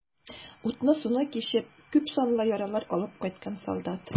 Утны-суны кичеп, күпсанлы яралар алып кайткан солдат.